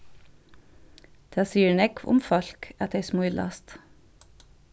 tað sigur nógv um fólk at tey smílast